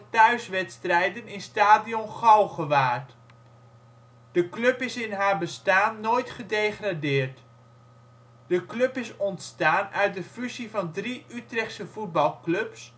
thuiswedstrijden in Stadion Galgenwaard. De club is in haar bestaan nooit gedegradeerd. De club is ontstaan uit de fusie van drie Utrechtse voetbalclubs